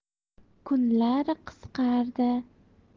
kunlar qisqardi